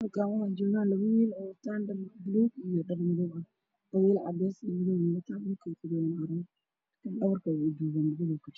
Halkani wax taagan labo wiil oo watan dhar buluug iyo dhar madow ah